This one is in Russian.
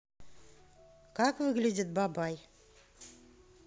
как выглядит бабай